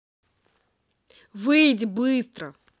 выйди быстро